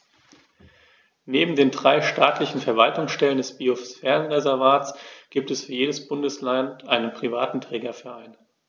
Neben den drei staatlichen Verwaltungsstellen des Biosphärenreservates gibt es für jedes Bundesland einen privaten Trägerverein.